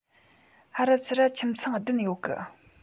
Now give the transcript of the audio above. ཧར ར ཚུར ར ཁྱིམ ཚང བདུན ཡོད གི